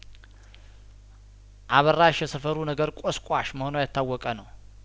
አበራሽ የሰፈሩ ነገር ቆስቋሽ መሆኗ የታወቀ ነው